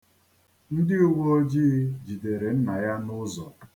Ndị uweojii jidere nna ya n'ụzọ.